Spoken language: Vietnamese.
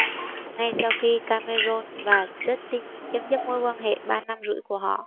ngay sau khi cameron và justin chấm dứt mối quan hệ ba năm rưỡi của họ